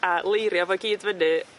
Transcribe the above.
a leirio fo gyd fyny